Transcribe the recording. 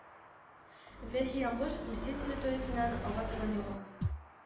Верхий Ямбош Русия территориясеннән ага торган елга